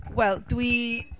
Wel, dwi...